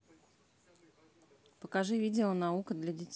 покажи видео наука для детей